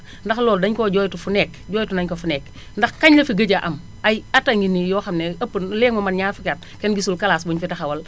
ndax loolu dañu koo jooytu fu nekk jooytu nañu ko fu nekk ndax kañ la fi gëj a am ay at a ngi nii yoo xam ne ëpp na léegi mu mot ñaar fukki at kenn gisul classe bu ñu fi taxawal